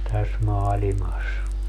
tässä maailmassa